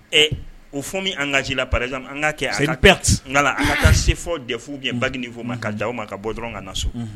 Ɛ o fɔ min an ka ji la paraz an ka kɛp nka an ka taa sefɔ de fu gɛn bange nin fɔ ma ka ja ma ka bɔ dɔrɔn ka na so